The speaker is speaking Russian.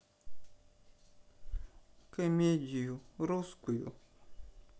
комедию русскую